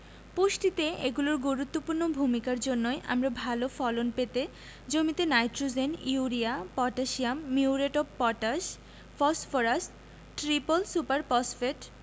পুষ্টিতে এগুলোর গুরুত্বপূর্ণ ভূমিকার জন্যই আমরা ভালো ফলন পেতে জমিতে nitrogen urea potassium muriate of potash phosphorus triple super phosphate